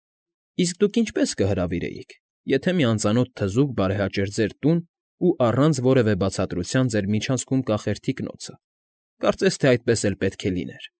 Իսկ դուք ինչպե՞ս կվարվեիք, եթե մի անծանոթ թզուկ բարեհաճեր ձեր տուն ու առանց որևէ բացատրության ձեր միջանցքում կախեր թիկնոցը, կարծես թե այդպես էլ պետք է լիներ։